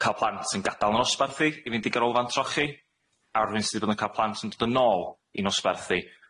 ca'l plant sy'n gadal 'yn nosbarth i i fynd i ganolfan trochi, a r'wun sydd 'di bod yn ca'l plant yn dod yn ôl i'n nosbarth i